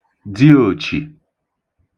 diòchì